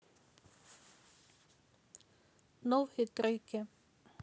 новые треки